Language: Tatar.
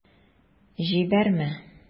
Җибәрмә...